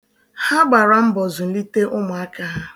Ha gbara mbọ zụ̀lite ụmụaka ha.